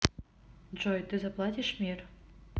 джой ты заплатишь мир